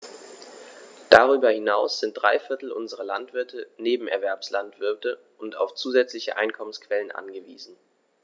Darüber hinaus sind drei Viertel unserer Landwirte Nebenerwerbslandwirte und auf zusätzliche Einkommensquellen angewiesen.